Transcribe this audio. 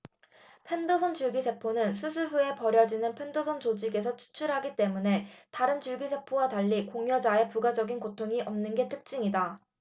편도선 줄기세포는 수술 후에 버려지는 편도선 조직에서 추출하기 때문에 다른 줄기세포와 달리 공여자의 부가적인 고통이 없는 게 특징이다